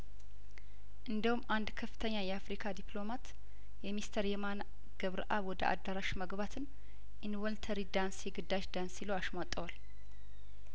እንደውም አንድ ከፍተኛ የአፍሪካ ዲፕሎማት የሚስተር የማነ አገብረአብ ወደ አዳራሹ መግባትን ኢንቮንተሪ ዳንስ የግዳጅ ዳንስ ሲሉ አሽሟጠዋል